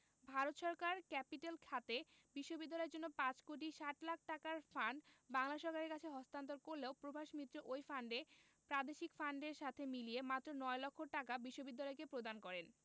ভারত সরকার ক্যাপিটেল খাতে বিশ্ববিদ্যালয়ের জন্য ৫ কোটি ৬০ লাখ টাকার ফান্ড বাংলা সরকারের কাছে হস্তান্তর করলেও প্রভাস মিত্র ওই ফান্ড প্রাদেশিক ফান্ডেলর সাথে মিলিয়ে মাত্র নয় লক্ষ টাকা বিশ্ববিদ্যালয়কে প্রদান করেন